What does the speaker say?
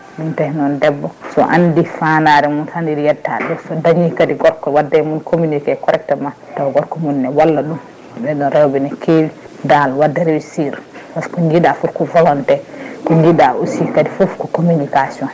ɗum tahi noon debbo so andi fandare mum tan weeli yettade so dañi kadi gorko wadda e mum communiqué correctement tawa gorko mum ne walla ɗum ɓeɗon rewɓe ne kewi dal wadde réussir par ce que jiiɗa foof ko volonté ko jiiɗa aussi foof ko communication